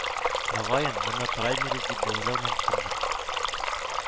Мөгаен, моны праймериз дип бәяләү мөмкиндер